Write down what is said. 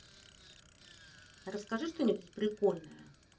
расскажи что нибудь прикольное